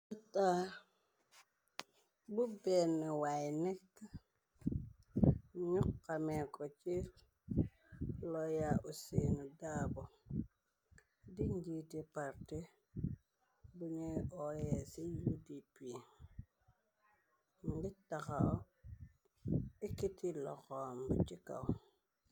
Tax bu benn waay nekk ñyoxameeko ci loya useenu daabu di njiiti parte bunuy oyée ci UDP ngir taxaw ekiti loxom yi ci kaw.